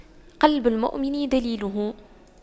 قلب المؤمن دليله